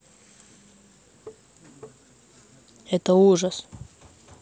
это ужас